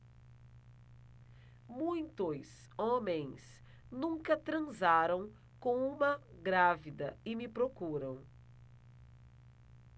muitos homens nunca transaram com uma grávida e me procuram